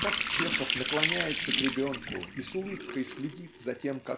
Так Чехов наклоняется к ребенку и с улыбкой следит за тем